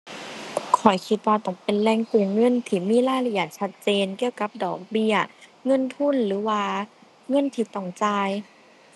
ข้อยคิดว่าต้องเป็นแหล่งกู้เงินที่มีรายละเอียดชัดเจนเกี่ยวกับดอกเบี้ย เงินทุน หรือว่าเงินที่ต้องจ่าย